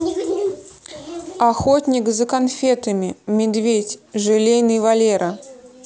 охотник за конфетами медведь желейный валера